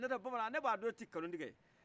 ni o tɛ bamanan ne b' a dɔn e tɛ nkalon tigɛ